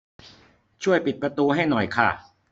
ช่วยปิดประตูให้หน่อยค่ะ